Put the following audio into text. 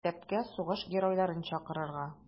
Мәктәпкә сугыш геройларын чакырырга.